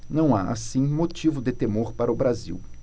não há assim motivo de temor para o brasil